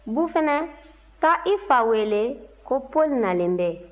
bufunɛ taa i fa wele ko paul nalen bɛ